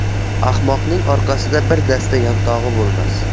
ahmoqning orqasida bir dasta yantog'i bo'lmas